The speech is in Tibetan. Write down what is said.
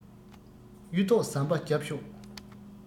གཡུ ཐོག ཟམ པ བརྒྱབ ཤོག